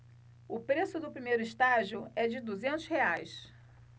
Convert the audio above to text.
o preço do primeiro estágio é de duzentos reais